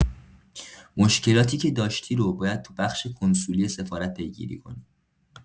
مشکلاتی که داشتی رو باید تو بخش کنسولی سفارت پیگیری کنی.